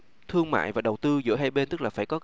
thương mại và đầu tư giữa hai bên tức là phải có